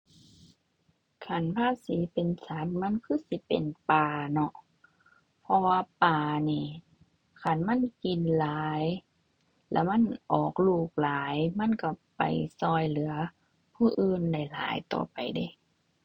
คันภาษีเป็นสัตว์ มันคือสิเป็นปลาเนาะ เพราะว่าปลานี่คันมันกินหลายแล้วมันออกลูกหลาย มันก็ไปก็เหลือผู้อื่นได้หลายต่อไปเดะ